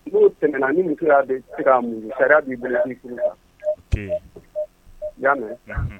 No tɛmɛna ni muso ya dɔn i ti se ka muɲu sariya bi bolo i ki furu sa . Ok i ya mɛn? Unhun